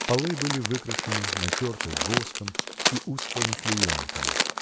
Полы были выкрашены, натерты воском и устланы клеенками